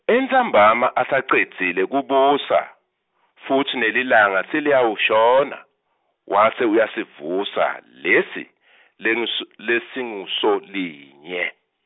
Entsambama asacedzile kubusa futsi nelilanga seliyawashona wase uyasivusa lesi , lenisu- lesinguSolinye.